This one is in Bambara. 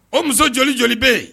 O muso joli joli bɛ yen